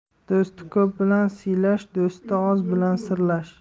do'sti ko'p bilan siylash do'sti oz bilan sirlash